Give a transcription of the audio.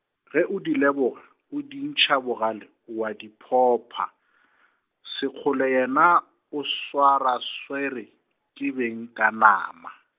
ge o di leboga, o di ntšha bogale, o a di phopha , Sekgole yena o swarwaswerwe ke beng ka nama.